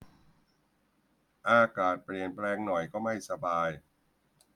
อากาศเปลี่ยนแปลงหน่อยก็ไม่สบาย